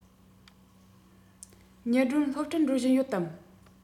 ཉི སྒྲོན སློབ གྲྭར འགྲོ བཞིན ཡོད དམ